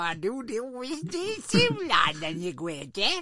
Duw duw wedi siwlan yn ei gweud e!